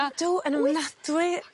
Ydw yn ofnadwy